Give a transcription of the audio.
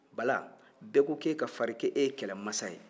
bala bɛɛ ko k'e ka farin k'e ye kɛlɛmasa ye